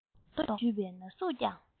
ང རང རྡོག ཐོ གཞུས པའི ན ཟུག ཀྱང